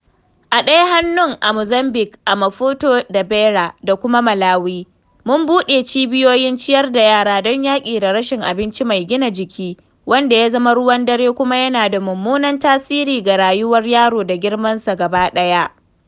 A ɗaya hannun, a Mozambique ( a Maputo da Beira) da kuma Malawi, mun buɗe cibiyoyin ciyar da yara don yaƙi da rashin abinci mai gina jiki, wanda ya zama ruwan dare kuma yana da mummunan tasiri ga rayuwar yaro da girmansa gaba ɗaya.